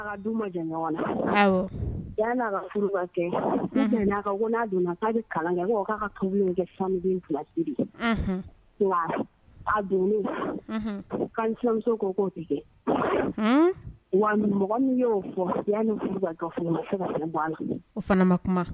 Donna kalan kɛsirimuso ko'o tigɛ wa mɔgɔ min y'o fɔ